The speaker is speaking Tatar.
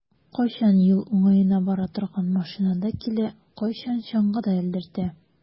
Кайчан юл уңаена бара торган машинада килә, кайчан чаңгыда элдертә.